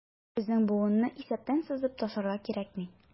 Безнең буынны исәптән сызып ташларга кирәкми.